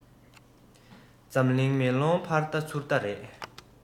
འཛམ གླིང མེ ལོང ཕར བལྟ ཚུར བལྟ རེད